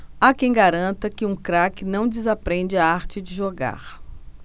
há quem garanta que um craque não desaprende a arte de jogar